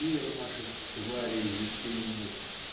мир наших "тварей весенних"